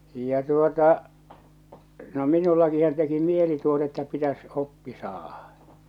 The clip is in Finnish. ja tuota no minullakinhan teki mieli tuota että pitäisi oppia saada